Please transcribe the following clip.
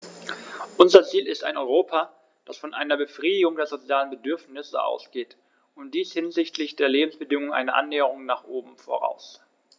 Unser Ziel ist ein Europa, das von einer Befriedigung der sozialen Bedürfnisse ausgeht, und dies setzt hinsichtlich der Lebensbedingungen eine Annäherung nach oben voraus.